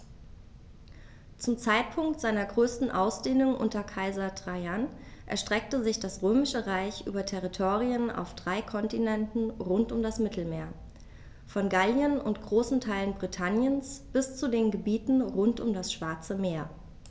Zum Zeitpunkt seiner größten Ausdehnung unter Kaiser Trajan erstreckte sich das Römische Reich über Territorien auf drei Kontinenten rund um das Mittelmeer: Von Gallien und großen Teilen Britanniens bis zu den Gebieten rund um das Schwarze Meer.